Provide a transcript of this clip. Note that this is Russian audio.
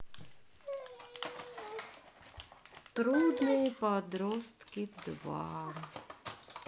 трудные подростки два